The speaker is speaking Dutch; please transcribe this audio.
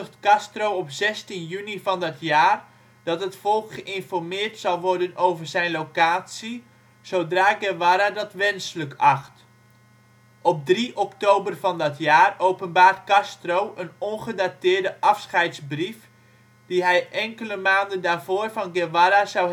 Castro op 16 juni van dat jaar dat het volk geïnformeerd zal worden over zijn locatie zodra Guevara dat wenselijk acht. Op 3 oktober van dat jaar openbaart Castro een ongedateerde afscheidsbrief, die hij enkele maanden daarvoor van Guevara zou hebben